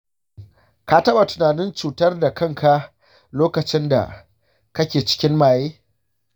shin ka taɓa tunanin cutar da kanka lokacin da kake cikin maye?